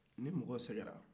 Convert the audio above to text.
ni mɔgɔ sɛgɛnna